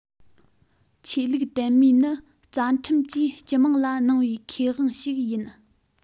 ཆོས ལུགས དད མོས ནི རྩ ཁྲིམས ཀྱིས སྤྱི དམངས ལ གནང བའི ཁེ དབང ཞིག ཡིན